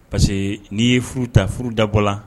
Parce que n'i ye furu ta furu dabɔ la